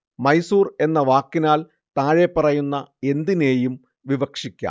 മൈസൂർ എന്ന വാക്കിനാൽ താഴെപ്പറയുന്ന എന്തിനേയും വിവക്ഷിക്കാം